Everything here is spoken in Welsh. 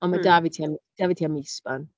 Ond ma'... Mm. ...'da fi tua ma' 'da fi tua mis 'wan.